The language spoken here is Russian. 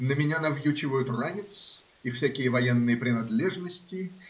на меня навьючивают ранец и всякие военные принадлежности.